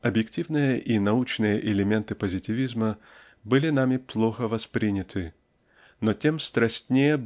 Объективные и научные элементы позитивизма были нами плохо восприняты но тем страстнее